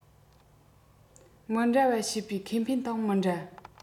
མི འདྲ བ བྱེད པོའི ཁེ ཕན དང མི འདྲ